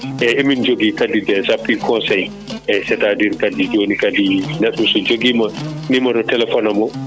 eyyi emin jogui kadi des appui conseils eyyi c' à dire kadi joni kadi neɗɗo so joguima numéro téléphone am o